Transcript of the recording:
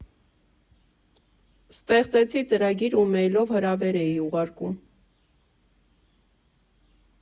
Ստեղծեցի ծրագիր ու մեյլով հրավեր էի ուղարկում։